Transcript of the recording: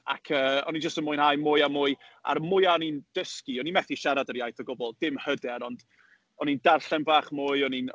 Ac yy, o'n i jyst yn mwynhau mwy a mwy. A'r mwya o'n i'n dysgu... o'n i methu siarad yr iaith o gwbl, dim hyder, ond o'n i'n darllen bach mwy, o'n i'n...